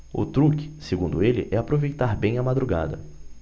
o truque segundo ele é aproveitar bem a madrugada